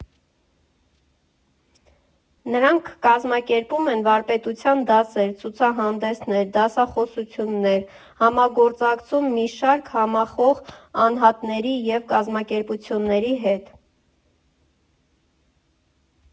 Նրանք կազմակերպում են վարպետության դասեր, ցուցահանդեսներ, դասախոսություններ, համագործակցում մի շարք համախոհ անհատների և կազմակերպությունների հետ։